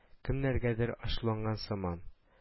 Кемнәргәдер ачуланган сыман